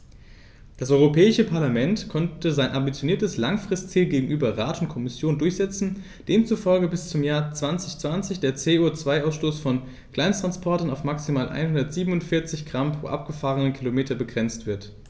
Das Europäische Parlament konnte sein ambitioniertes Langfristziel gegenüber Rat und Kommission durchsetzen, demzufolge bis zum Jahr 2020 der CO2-Ausstoß von Kleinsttransportern auf maximal 147 Gramm pro gefahrenem Kilometer begrenzt wird.